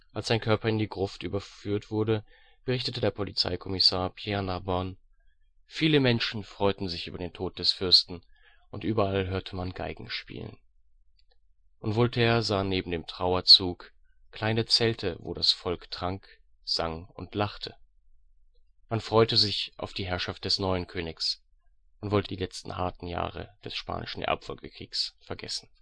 Als sein Körper in die Gruft überführt wurde, berichtete der Polizeikommissar Pierre Narbonne: " Viele Menschen freuten sich über den Tod des Fürsten, und überall hörte man Geigen spielen. " Und Voltaire sah neben dem Trauerzug " kleine Zelte, wo das Volk trank, sang und lachte ". Man freute sich auf die Herrschaft des neuen Königs und wollte die letzten harten Jahre des Spanischen Erbfolgekriegs vergessen